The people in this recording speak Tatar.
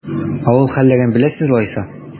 Авыл хәлләрен беләсез алайса?